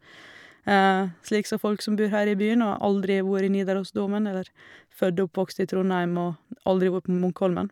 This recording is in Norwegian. Slik som folk som bor her i byen og har aldri vore i Nidarosdomen, eller født og oppvokst i Trondheim og aldri vore på Munkholmen.